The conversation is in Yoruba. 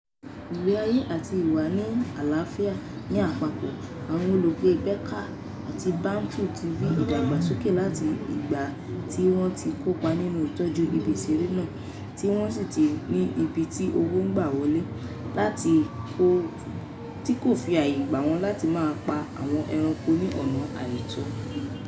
Ìgbé ayé àti ìwà ní àlàáfíà ní àpapọ̀ àwọn olùgbé Baka àti Bantu tí rí ìdàgbàsókè láti ìgbà tí wọ́n ti kópa nínú ìtọ́jú ibi ìṣeré náà, tí wọ́n sì ní ibi tí owó ń gbà wọlé tí kò fi ààyè gbà wọ́n láti máa pa àwọn ẹranko ní ọ̀nà àìtọ́.